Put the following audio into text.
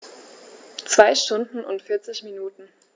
2 Stunden und 40 Minuten